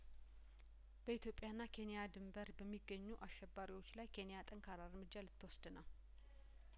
በኢትዮጵያና ኬንያ ድንበር በሚገኙ አሸባሪዎች ላይኬን ያጠንካራ እርምጃ ልትወስድ ነው